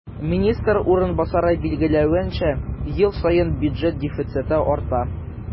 Министр урынбасары билгеләвенчә, ел саен бюджет дефициты арта.